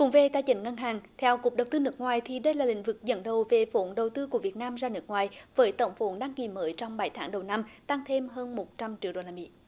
cũng về tài chính ngân hàng theo cục đầu tư nước ngoài thì đây là lĩnh vực dẫn đầu về vốn đầu tư của việt nam ra nước ngoài với tổng vốn đăng ký mới trong bảy tháng đầu năm tăng thêm hơn một trăm triệu đô la mỹ